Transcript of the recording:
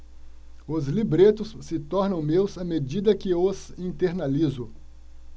os libretos se tornam meus à medida que os internalizo